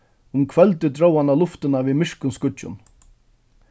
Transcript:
um kvøldið dró hann á luftina við myrkum skýggjum